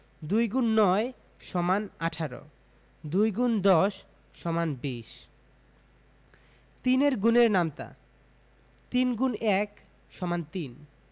২ X ৯ = ১৮ ২ ×১০ = ২০ ৩ এর গুণের নামতা ৩ X ১ = ৩